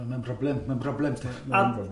O, mae'n broblem, mae'n broblem, mae'n broblem.